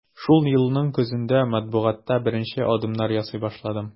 Шул елның көзендә матбугатта беренче адымнар ясый башладым.